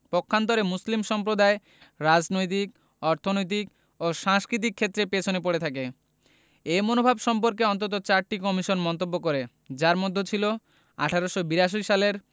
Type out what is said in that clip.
পক্ষান্তরে মুসলিম সম্প্রদায় রাজনৈতিক অর্থনৈতিক ও সাংস্কৃতিক ক্ষেত্রে পেছনে পড়ে থাকে এ মনোভাব সম্পর্কে অন্তত চারটি কমিশন মন্তব্য করে যার মধ্যে ছিল ১৮৮২ সালের